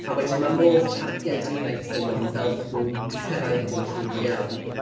A wedyn ma' modd targedu'r negeseuon fel bod nhw'n cyrraedd y gynulleidfa iawn.